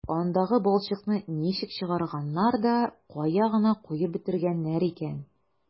Андагы балчыкны ничек чыгарганнар да кая гына куеп бетергәннәр икән...